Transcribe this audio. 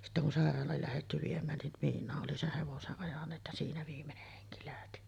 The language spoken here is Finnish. sitten kun sairaalaan lähdetty viemään niin miinaan oli sen hevoset ajaneet ja siinä viimeinen henki lähti